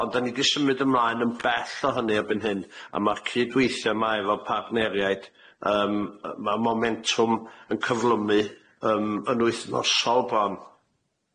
Ond dan ni 'di symud ymlaen yn bell o hynny erbyn hyn a ma'r cydweithie yma efo partneriaid yym y- ma' momentum yn cyflymu yym yn wythnosol bron.